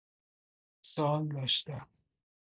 سوال داشتم